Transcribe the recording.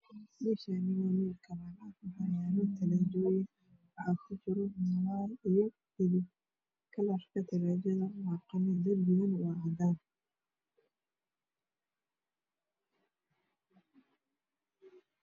Meshaani waa meel kawan ah waxaa yaalo talajooyin waxaa ku jira hilin iyo malay kalarka talajada waa qalin derbihana waa cadan